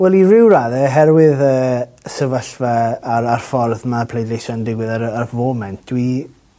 Wel i ryw radde oherwydd y sefyllfa â'r y ffordd ma' pleidleisio'n digwydd ar y y foment dwi